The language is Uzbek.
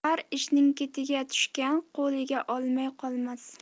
har ishning ketiga tushgan qo'liga olmay qolmas